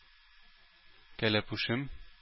Кәләпүшем